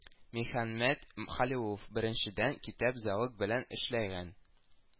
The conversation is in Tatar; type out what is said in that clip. Михәнмәт Хәлиуллов Беренчедән, китап зәвык белән эшләгән